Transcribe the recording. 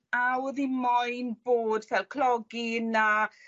a odd 'i moyn bod fel clogyn a